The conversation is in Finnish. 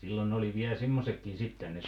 silloin oli vielä sellaisetkin sitten ne